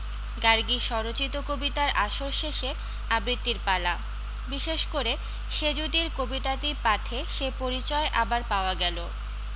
গার্গী স্বরচিত কবিতার আসর শেষে আবৃত্তীর পালা বিশেষ করে সেঁজুতীর কবিতাটি পাঠে সেই পরিচয় আবার পাওয়া গেল